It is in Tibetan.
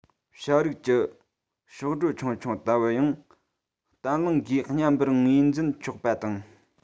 བྱ རིགས ཀྱི གཤོག སྒྲོ ཆུང ཆུང ལྟ བུ ཡང བརྟན བརླིང སྒོས ཉམས པར ངོས འཛིན ཆོག པ ཡིན